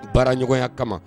Baara ɲɔgɔnya kama